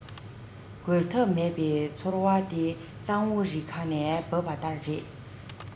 རྒོལ ཐབས མེད པའི ཚོར བ དེ གཙང བོ རི ཁ ནས འབབ པ ལྟར རེད